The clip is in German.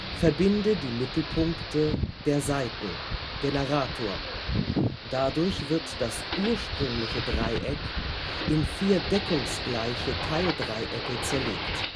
Verbinde die Mittelpunkte der Seiten („ Generator “) (dadurch wird das ursprüngliche Dreieck in vier deckungsgleiche Teildreiecke zerlegt